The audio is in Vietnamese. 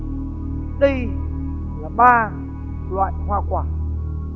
đây là ba loại hoa quả